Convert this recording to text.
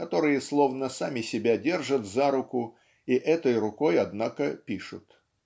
которые словно сами себя держат за руку и этой рукой однако пишут.